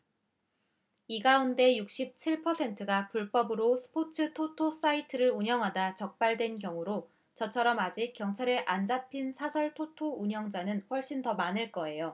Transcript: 이 가운데 육십 칠 퍼센트가 불법으로 스포츠 토토 사이트를 운영하다 적발된 경우로 저처럼 아직 경찰에 안 잡힌 사설 토토 운영자는 훨씬 더 많을 거예요